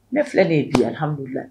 Ne filɛ de ye bihammudu la